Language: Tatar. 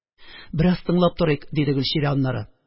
– бераз тыңлап торыйк, – диде гөлчирә, аннары,